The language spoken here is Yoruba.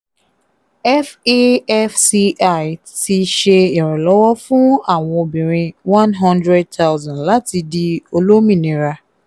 FAFCI ti ṣe ìrànlọ́wọ́ fún àwọn obìnrin 100,000 láti di olómìnira.